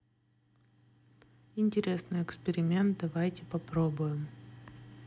интересный эксперимент давайте попробуем